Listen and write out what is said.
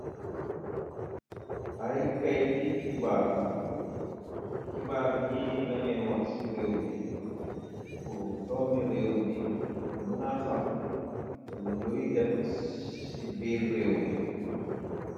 Ay kayti kibaar la kibaar yi lañuy wax ci réew mi pur doomi réew mi muna xam luy dem ci biir réew mi.